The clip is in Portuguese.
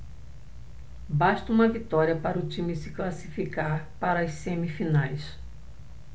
basta uma vitória para o time se classificar para as semifinais